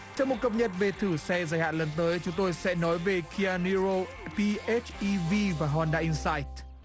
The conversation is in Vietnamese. trong một cập nhật về thử xe dài hạn lần tới chúng tôi sẽ nói về ki a ni rô pi ết i vi và hon đa in sai